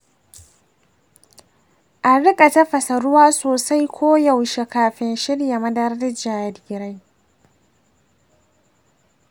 a rika tafasa ruwa sosai koyaushe kafin shirya madarar jarirai.